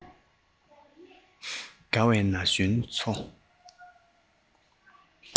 དགའ བའི ན གཞོན ཚོ